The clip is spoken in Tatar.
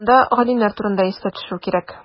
Монда галимнәр турында искә төшерү кирәк.